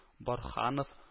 Борһанов